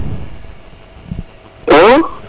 a